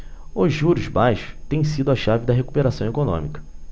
os juros baixos têm sido a chave da recuperação econômica